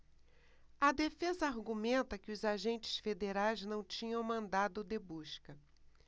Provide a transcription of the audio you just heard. a defesa argumenta que os agentes federais não tinham mandado de busca